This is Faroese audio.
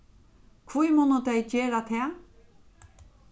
hví munnu tey gera tað